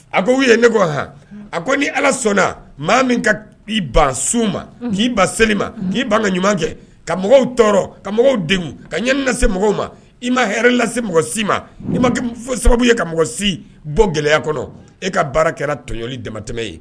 A ko u ye ne ko h a ko ni ala sɔnna maa min ka i ban su ma k'i ba seli ma k'i ban ka ɲuman kɛ ka mɔgɔw tɔɔrɔ ka mɔgɔw ka ɲ lase mɔgɔw ma i ma h lase mɔgɔ si ma i ma sababu ye ka mɔgɔ si bɔ gɛlɛya kɔnɔ e ka baara kɛra tɔɲɔli damatɛmɛ ye